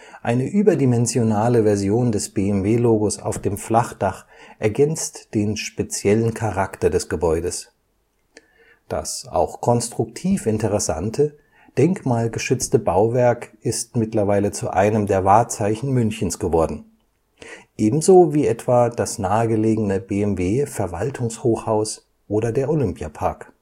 Eine überdimensionale Version des BMW-Logos auf dem Flachdach ergänzt den speziellen Charakter des Gebäudes. Das auch konstruktiv interessante, denkmalgeschützte Bauwerk ist mittlerweile zu einem der Wahrzeichen Münchens geworden, ebenso wie etwa das nahegelegene BMW-Verwaltungshochhaus oder der Olympiapark